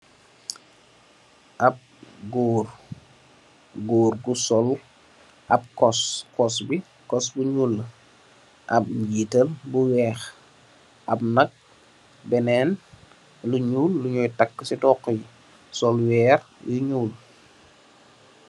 Ap goor, gorr bu sul ap cuss. Cuss bi bu ñuul la ap nyetal bu weex. Amna yenen lu ñuul lu nyuy takuh ci ap doxo yi. Sul weer yu ñuul.